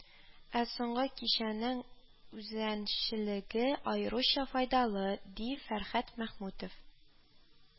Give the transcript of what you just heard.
Ә соңгы кичәнең үзәнчелеге аеруча файдалы, ди Фәрһәт Мәхмүтев